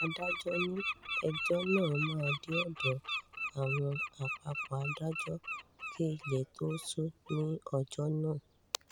Adájọ́ ní ẹjọ́ náà máa dé ọ̀dọ̀ àwọn àpapọ̀ adájọ́ kí ilẹ̀ tó ṣú ní ọjọ́ náà.